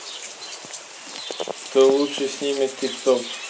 кто лучше снимет тик ток